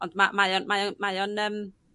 ond ma- mae o mae o mae o'n yym